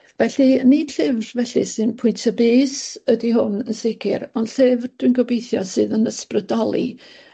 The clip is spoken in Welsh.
Felly nid llyfr felly sy'n pwyntio bys ydi hwn yn sicir ond llyfr dwi'n gobeithio sydd yn ysbrydoli